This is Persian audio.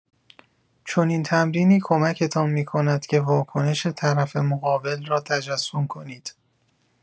چنین تمرینی کمکتان می‌کند که واکنش طرف مقابل را تجسم کنید.